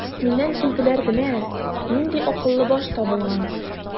Миннән көлделәр генә: "Нинди акыллы баш табылган!"